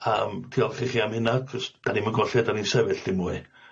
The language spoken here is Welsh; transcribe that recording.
Yym diolch i chi am hynna, cys dan ni'm yn gwbod lle dan ni'n sefyll dim mwy.